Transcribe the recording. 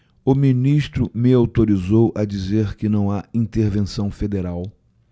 o ministro me autorizou a dizer que não há intervenção federal